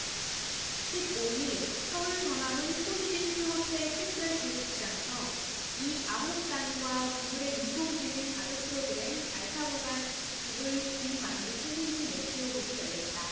십 오 일 서울 광화문 포시즌스호텔 특별대국장서 이 아홉 단과 구글의 인공지능 바둑 프로그램 알파고 간 구글 딥마인드 챌린지 매치 오 국이 열렸다